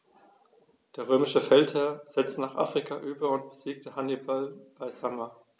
Der römische Feldherr setzte nach Afrika über und besiegte Hannibal bei Zama.